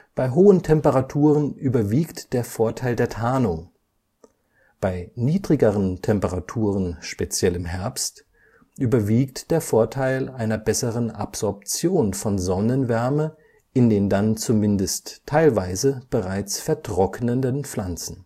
Bei hohen Temperaturen überwiegt der Vorteil der Tarnung, bei niedrigeren Temperaturen (speziell im Herbst) überwiegt der Vorteil einer besseren Absorption von Sonnenwärme in den dann zumindest teilweise bereits vertrocknenden Pflanzen